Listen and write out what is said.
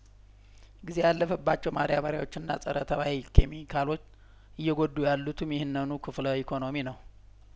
ጊዜ ያለፈባቸው ማዳበሪያዎችና ጸረ ተባይ ኬሚካሎች እየጐዱ ያሉትም ይህንኑ ክፍለ ኢኮኖሚ ነው